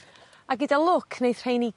A gyda lwc neith rhein i